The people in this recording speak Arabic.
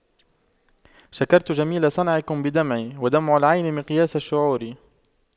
شكرت جميل صنعكم بدمعي ودمع العين مقياس الشعور